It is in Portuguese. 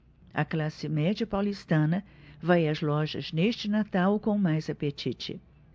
a classe média paulistana vai às lojas neste natal com mais apetite